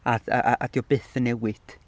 A, a- a- 'di o byth yn newid.